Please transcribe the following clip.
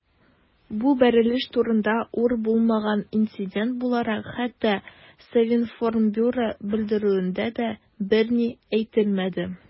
Бу бәрелеш турында, зур булмаган инцидент буларак, хәтта Совинформбюро белдерүендә дә берни әйтелмәде.